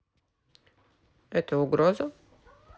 это угроза